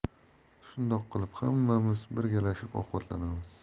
shundoq qilib hammamiz birgalashib ovqatlanamiz